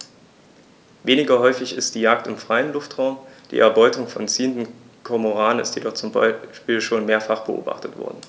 Weniger häufig ist die Jagd im freien Luftraum; die Erbeutung von ziehenden Kormoranen ist jedoch zum Beispiel schon mehrfach beobachtet worden.